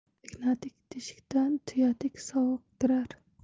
ignadek teshikdan tuyadek sovuq kirar